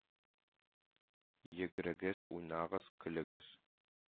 Йөгрегез, уйнагыз, көлегез!